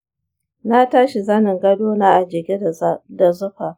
na tashi zanin gado na a jiƙe da zufa.